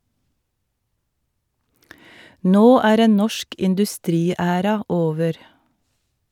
Nå er en norsk industriæra over.